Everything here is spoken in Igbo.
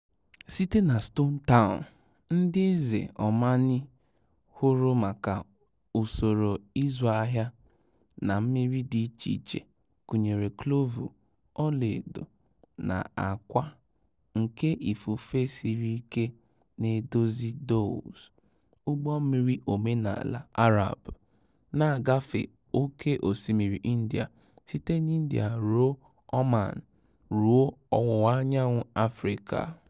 Site na Stone Town, ndị eze Omani hụrụ maka usoro ịzụ ahịa na mmiri dị iche iche, gụnyere klovu, ọlaedo, na ákwà, nke ifufe siri ike na-edozi dhows — ụgbọmmiri omenaala Arab — na-agafe oke osimmiri India, site na India ruo Oman ruo Ọwụwa Anyanwụ Afịrịka.